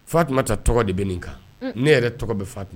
Fa tun taa tɔgɔ de bɛ nin kan ne yɛrɛ tɔgɔ bɛ fa tugun